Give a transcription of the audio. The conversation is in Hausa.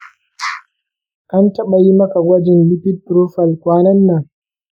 an taɓa yi maka gwajin lipid profile kwanan nan?